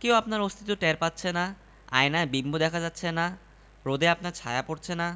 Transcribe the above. কেউ একজন অন্তত তাঁকে চিনতে পেরেছে দেখতে পেরেছে তিনি যে অস্তিত্বহীন হয়ে পড়েননি এই ভেবে খানিকটা আশার আলো দেখতে পেলেন